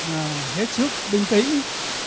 hết sức bình tĩnh